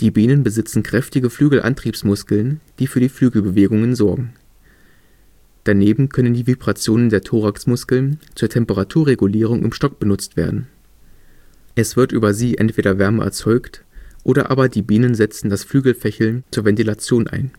Bienen besitzen kräftige Flügelantriebsmuskeln, die für die Flügelbewegungen sorgen. Daneben können die Vibrationen der Thoraxmuskeln zur Temperaturregulierung im Stock genutzt werden. Es wird über sie entweder Wärme erzeugt, oder aber die Bienen setzen das Flügelfächeln zur Ventilation ein